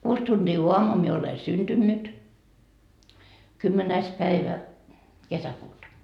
kuusi tuntia aamua minä olen syntynyt kymmenes päivä kesäkuuta